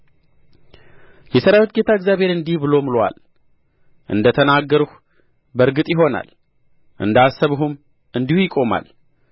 የሠራዊት ጌታ እግዚአብሔር የሠራዊት ጌታ እግዚአብሔር እንዲህ ብሎ ምሎአል እንደ ተናገርሁ በእርግጥ ይሆናል እንደ አሰብሁም እንዲሁ ይቆማል